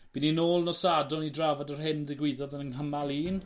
By ni nôl nos Sadwrn i drafod yr hyn ddigwyddodd yng nghymal un.